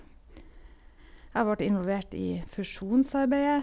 Jeg vart involvert i fusjonsarbeidet.